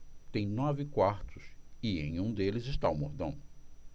tem nove quartos e em um deles está o mordomo